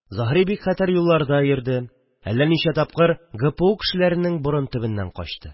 Заһри бик хәтәр юлларда йөрде, әллә ничә тапкыр ГПУ кешеләренең борын төбеннән качты